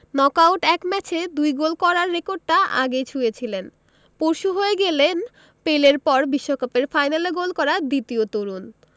নকআউটে এক ম্যাচে ২ গোল করার রেকর্ডটা আগেই ছুঁয়েছিলেন পরশু হয়ে গেলেন পেলের পর বিশ্বকাপের ফাইনালে গোল করা দ্বিতীয় তরুণ